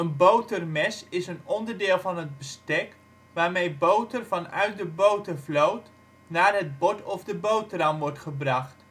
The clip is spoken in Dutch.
botermesje) is een onderdeel van het bestek waarmee boter vanuit de botervloot naar het bord (de boterham) wordt gebracht